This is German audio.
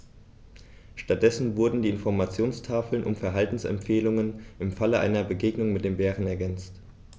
Stattdessen wurden die Informationstafeln um Verhaltensempfehlungen im Falle einer Begegnung mit dem Bären ergänzt.